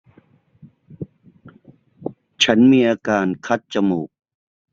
ฉันมีอาการคัดจมูก